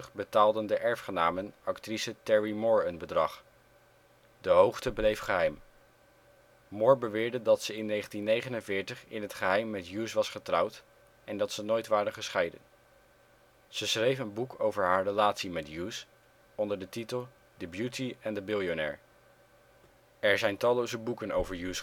betaalden de erfgenamen actrice Terry Moore een bedrag. De hoogte bleef geheim. Moore beweerde dat ze in 1949 in het geheim met Hughes was getrouwd, en dat ze nooit waren gescheiden. Ze schreef een boek over haar relatie met Hughes, onder de titel The Beauty and the Billionaire. Er zijn talloze boeken over